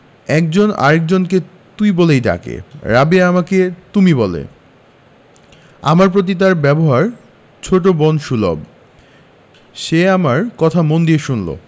একজন আরেক জনকে তুই বলেই ডাকে রাবেয়া আমাকে তুমি বলে আমার প্রতি তার ব্যবহার ছোট বোন সুলভ সে আমার কথা মন দিয়ে শুনলো